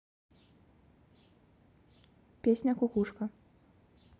песня кукушка